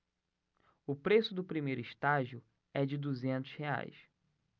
o preço do primeiro estágio é de duzentos reais